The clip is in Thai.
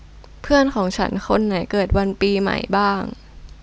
เพื่อนของฉันคนไหนเกิดวันปีใหม่บ้าง